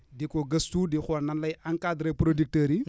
di ko gëstu di xool nan lay encadrer producteurs yi